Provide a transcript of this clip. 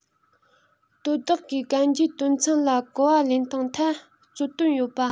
དོ བདག གིས གན རྒྱའི དོན ཚན ལ གོ བ ལེན སྟངས ཐད རྩོད དོན ཡོད པ